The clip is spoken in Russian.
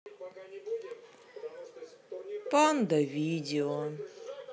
панда видео